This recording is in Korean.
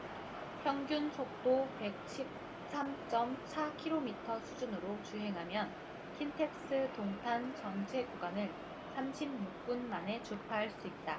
평균속도 백 십 삼 쩜 사 키로미터 수준으로 주행하면 킨텍스 동탄 전체 구간을 삼십 육 분 만에 주파할 수 있다